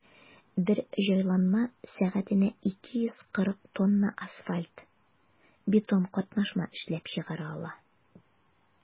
Бер җайланма сәгатенә 240 тонна асфальт–бетон катнашма эшләп чыгара ала.